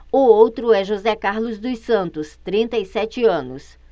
o outro é josé carlos dos santos trinta e sete anos